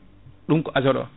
ɗum ko azote o